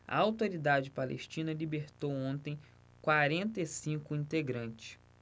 a autoridade palestina libertou ontem quarenta e cinco integrantes